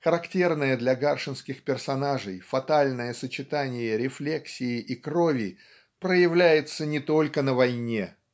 Характерное для гаршинских персонажей фатальное сочетание рефлексии и крови проявляется не только на войне.